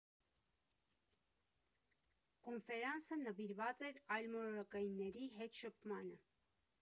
Կոնֆերանսը նվիրված էր այլմոլորակայինների հետ շփմանը։